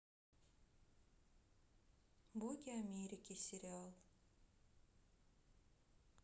боги америки сериал